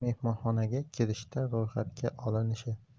mehmonxonaga kirishda ro'yxatga olinishi